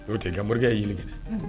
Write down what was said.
N'o te i ka morikɛ in ɲini ka unhun